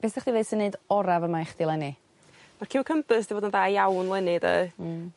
Beth sdach chdi ddeud sy neud ora' fa' 'ma i chdi leni? Ma'r ciwcymbyrs 'di bod yn da iawn leni 'de. Hmm